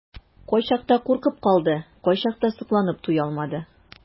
Кайчакта куркып калды, кайчакта сокланып туя алмады.